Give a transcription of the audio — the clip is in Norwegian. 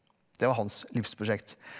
det var hans livsprosjekt.